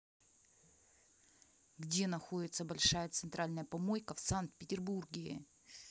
где находится большая центральная помойка в санкт петербурге